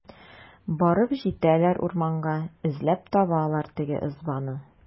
Барып җитәләр урманга, эзләп табалар теге ызбаны.